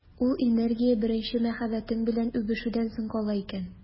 Ул энергия беренче мәхәббәтең белән үбешүдән соң кала икән.